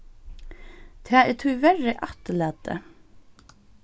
tað er tíverri afturlatið